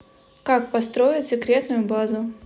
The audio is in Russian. как построить секретную базу